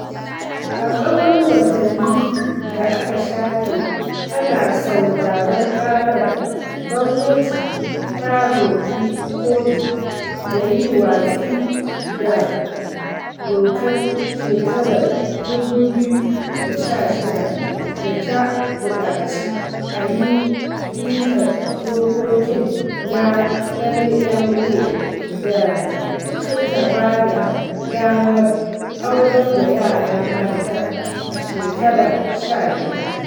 A tsawon watanni da aka shafe ana sauraron ƙarar, gwamnati ta roƙi kotu da yi watsi da dokar shekarar 2016 da ta buƙaci a yi bitar dokokin na LMA da suka ba da damar aurar da yara mata a shekara 15.